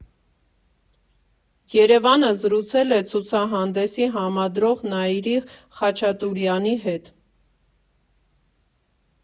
ԵՐԵՎԱՆը զրուցել է ցուցահանդեսի համադրող Նայիրի Խաչատուրեանի հետ։